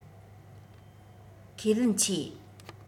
ཁས ལེན ཆེ